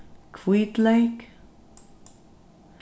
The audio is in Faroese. hvítleyk